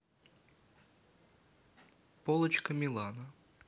полочка милана